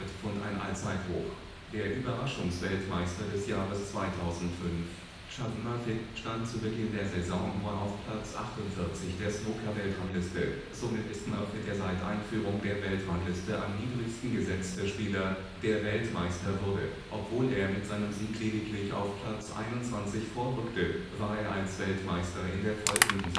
ein Allzeithoch. Der Überraschungsweltmeister des Jahres 2005, Shaun Murphy, stand zu Beginn der Saison nur auf Platz 48 der Snookerweltrangliste. Somit ist Murphy der seit Einführung der Weltrangliste am niedrigsten gesetzte Spieler, der Weltmeister wurde. Obwohl er mit seinem Sieg lediglich auf Platz 21 vorrückte, war er als Weltmeister in der folgenden